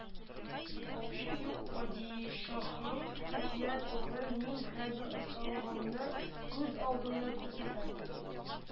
Аучы: «Юк, падишаһым, әкият түгел, мин хәзер осталыгымны күз алдында күрсәтәм